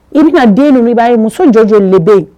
Pour quoi den ninnu b'a ye muso joli joli de bɛ ye?